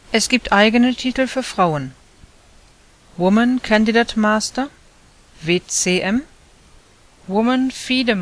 Es gibt eigene Titel für Frauen: Woman Candidate Master (WCM), Woman FIDE